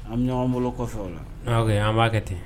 An bɛan bolo kɔfɛ o la an b'a kɛ ten